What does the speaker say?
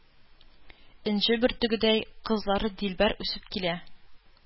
Энҗе бөртегедәй кызлары дилбәр үсеп килә.